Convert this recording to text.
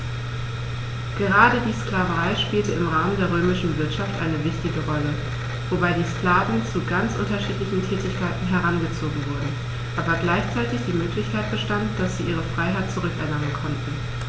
Gerade die Sklaverei spielte im Rahmen der römischen Wirtschaft eine wichtige Rolle, wobei die Sklaven zu ganz unterschiedlichen Tätigkeiten herangezogen wurden, aber gleichzeitig die Möglichkeit bestand, dass sie ihre Freiheit zurück erlangen konnten.